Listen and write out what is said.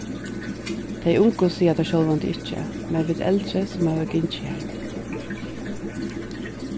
tey ungu siga tað sjálvandi ikki men vit eldru sum hava gingið har